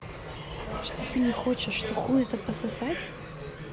что ты не хочешь что хуй это пососать